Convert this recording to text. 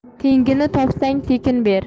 tengini topsang tekin ber